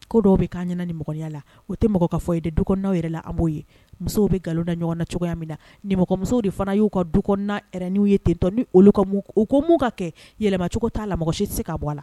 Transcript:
Ko dɔw bɛ kan nimɔgɔya la o tɛ mɔgɔ ka fɔ ye de dukw yɛrɛ la an b'o ye musow bɛ nkalon na ɲɔgɔn na cogoya min na ninmɔgɔmuso de fana y'u ka du kɔnɔnana yɛrɛ n'u ye te dɔn ni olu ka u ko ka kɛ yɛlɛmacogo'a la mɔgɔ si tɛ se ka bɔ a la